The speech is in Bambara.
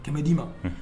Kɛmɛ d'i ma